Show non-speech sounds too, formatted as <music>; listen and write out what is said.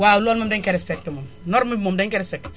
waaw loolu moom di nañu koy respecté moom norme yi moom di nañ ko respecté <noise>